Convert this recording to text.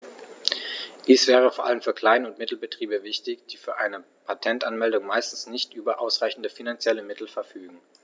Dies wäre vor allem für Klein- und Mittelbetriebe wichtig, die für eine Patentanmeldung meistens nicht über ausreichende finanzielle Mittel verfügen.